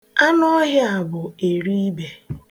Anụọhịa a bụ eribe